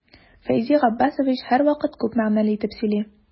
Фәйзи Габбасович һәрвакыт күп мәгънәле итеп сөйли.